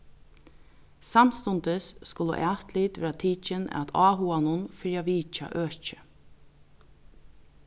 samstundis skulu atlit verða tikin at áhuganum fyri at vitja økið